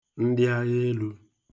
ndịagha elū